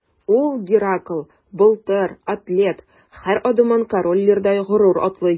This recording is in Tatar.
Ул – Геракл, Былтыр, атлет – һәр адымын Король Лирдай горур атлый.